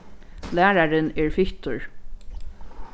lærarin er fittur